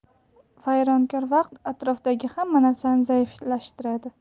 vayronokor vaqt atrofdagi hamma narsani zaiflashtiradi horace